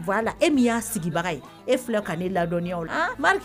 voilà et min y'a sigibaga ye, e filɛ ka ne ladɔnniya o la, Marc an